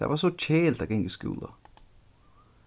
tað var so keðiligt at ganga í skúla